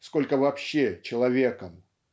сколько вообще человеком.